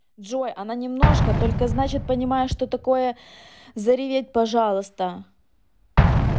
джой она немножко только значит понимаешь что такое заревет пожалуйста